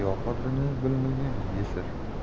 o'tar yor qadrini bilmagan yesir